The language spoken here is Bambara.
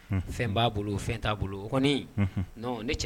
Fɛn b'a bolo fɛn t'a bolo o n ne cɛ